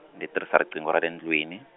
ndzi tirhisa riqingho ra le ndlwini.